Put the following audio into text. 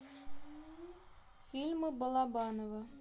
фильмы балабанова